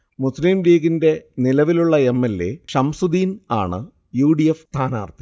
മുസ്ലിം ലീഗിന്റെ നിലവിലുള്ള M. L. A. Shamsudheen ആണ് യൂ. ഡി. എഫ്. സ്ഥാനാർത്ഥി